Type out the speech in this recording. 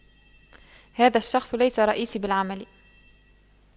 هذا الشخص ليس رئيسي بالعمل